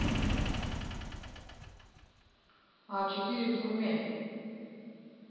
а четыре в турме